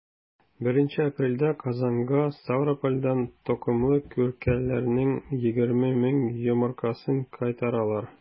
1 апрельдә казанга ставропольдән токымлы күркәләрнең 20 мең йомыркасын кайтаралар.